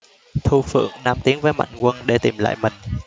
thu phượng nam tiến với mạnh quân để tìm lại mình